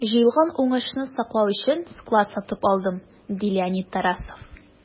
Җыелган уңышны саклау өчен склад сатып алдым, - ди Леонид Тарасов.